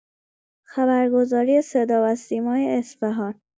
خبرگزاری صداوسیمای اصفهان